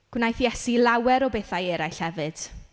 Gwnaeth Iesu lawer o bethau eraill hefyd.